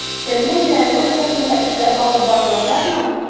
Телне өйрәнү өлкәсендә эшләр алып барылачакмы?